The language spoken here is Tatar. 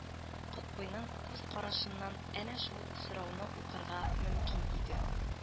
— котбыйның күз карашыннан әнә шул сорауны укырга мөмкин иде